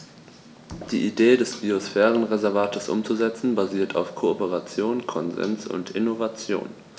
Die Idee des Biosphärenreservates umzusetzen, basiert auf Kooperation, Konsens und Innovation.